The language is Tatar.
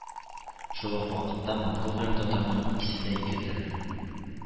Шул ук вакытта монгол белән татарның икесе ике төрле